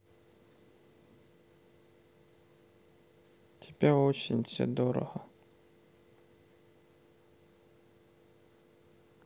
тебя очень все дорого